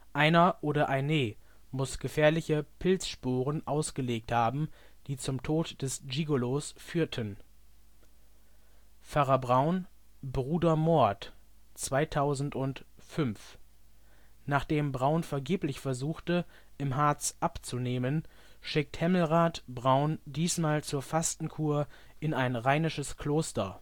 Einer oder eine muss gefährliche Pilzsporen ausgelegt haben, die zum Tod des Gigolos führten. Pfarrer Braun - Bruder Mord (2005) Nachdem Braun vergeblich versuchte, im Harz abzunehmen, schickt Hemmelrath Braun diesmal zur Fastenkur in ein rheinisches Kloster